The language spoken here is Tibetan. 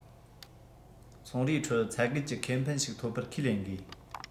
ཚོང རའི ཁྲོད ཚད བརྒལ གྱི ཁེ ཕན ཞིག ཐོབ པར ཁས ལེན དགོས